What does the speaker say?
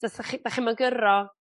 So os 'dach chi... 'Dach chi'm yn gyro